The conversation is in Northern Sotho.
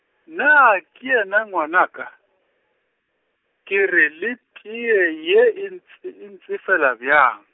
naa ke yena ngwanaka, ke re le teye e ntse- e ntsefela bjang.